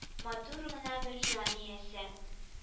Матур гына бер җан иясе